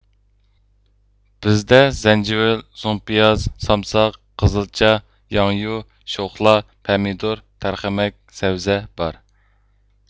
بىزدە زەنجىۋىل سۇڭپىياز سامساق قىزىلچا ياڭيۇ شوخلا پەمىدۇر تەرخەمەك سەۋزە بار